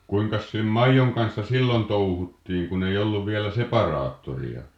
kuinkas sen maidon kanssa silloin touhuttiin kun ei ollut vielä separaattoria